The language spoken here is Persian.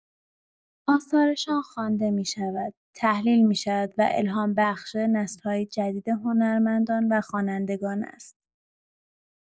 آثارشان خوانده می‌شود، تحلیل می‌شود و الهام‌بخش نسل‌های جدید هنرمندان و خوانندگان است.